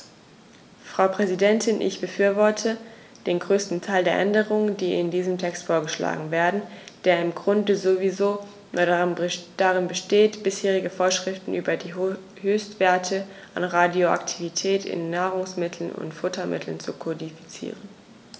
Frau Präsidentin, ich befürworte den größten Teil der Änderungen, die in diesem Text vorgeschlagen werden, der im Grunde sowieso nur darin besteht, bisherige Vorschriften über die Höchstwerte an Radioaktivität in Nahrungsmitteln und Futtermitteln zu kodifizieren.